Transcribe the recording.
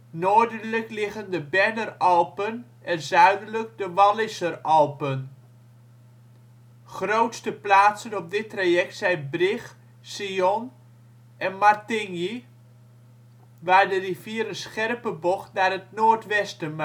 Noordelijk liggen de Berner Alpen en zuidelijk de Walliser Alpen. Grootste plaatsen op dit traject zijn Brig, Sion en Martigny, waar de rivier een scherpe bocht naar het noordwesten